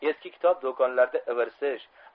eski kitob do'konlarida ivirsish